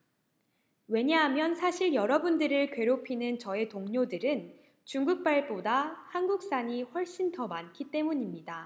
왜냐하면 사실 여러분들을 괴롭히는 저의 동료들은 중국발보다 한국산이 훨씬 더 많기 때문입니다